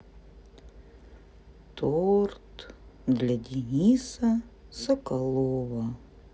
торт для дениса соколова